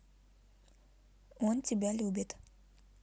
он тебя любит